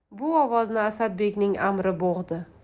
bu ovozni asadbekning amri bo'g'di